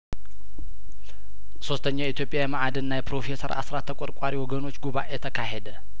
ሶስተኛው የኢትዮጵያ የመአድና የፕሮፌሰር አስራት ተቆርቋሪ ወገኖች ጉባኤ ተካሄደ